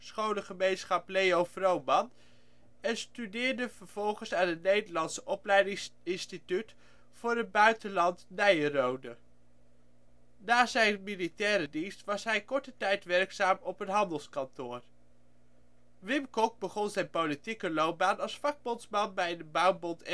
Scholengemeenschap Leo Vroman en studeerde vervolgens aan het Nederlands Opleidingsinstituut voor het buitenland Nyenrode. Na zijn militaire dienst was hij korte tijd werkzaam op een handelskantoor. Wim Kok begon zijn politieke loopbaan als vakbondsman bij de Bouwbond